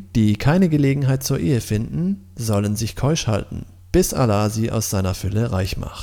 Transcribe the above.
die keine (Gelegenheit) zur Ehe finden, sollen sich keusch halten, bis Allah sie aus Seiner Fülle reich macht